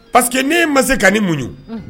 Paseke que n' ma se ka ni munɲ